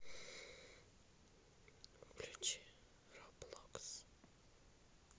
включи роблокс